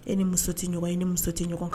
E ni muso tɛ ɲɔgɔn i ni muso tɛ ɲɔgɔn kan